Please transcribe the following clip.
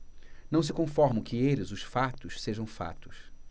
não se conformam que eles os fatos sejam fatos